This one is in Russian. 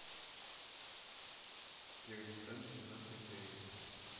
перелистать до семнадцатой серии